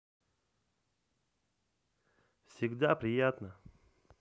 всегда приятно